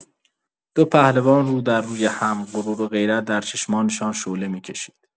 دو پهلوان، رودرروی هم، غرور و غیرت در چشمانشان شعله می‌کشید.